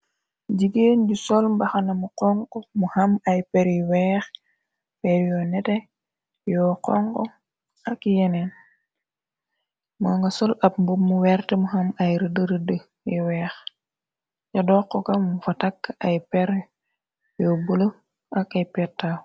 Jigéen ju sol mbaxanama kongo mu xam ay per yi weex per yoo nete yoo kongo ak yeneen moo nga sol ab bomu werte mu xam ay rëdërëd yi weex ca dokko kamu ba takk ay per yoo bul ak ay petaaw.